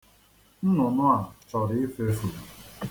Nnụnụ a chọrọ ifefu.